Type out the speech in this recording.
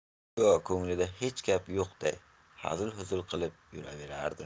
go'yo ko'nglida hech gap yo'qday hazil huzul qilib yuraverdi